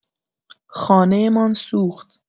خانه‌مان سوخت.